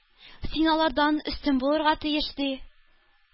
Син алардан өстен булырга тиеш!“ — ди.